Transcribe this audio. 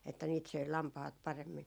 että niitä söi lampaat paremmin